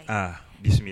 Aa bisimila